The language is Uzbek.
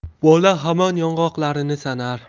bola hamon yong'oqlarini sanar